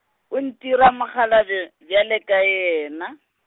o ntira mokgalabje, bjalo ka yena.